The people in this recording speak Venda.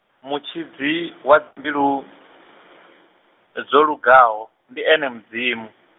mutshidzi wa dzimbilu, dzolugaho, ndi ene Mudzimu.